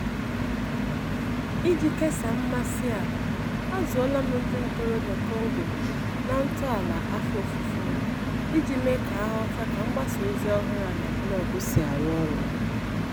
Iji kesaa mmasị a, a zụọla m ndị ntorobịa Kongo na ntọala afọ ofufo iji mee ka ha ghọta ka mgbasa ozi ọhụrụ na blọọgụ si arụ ọrụ.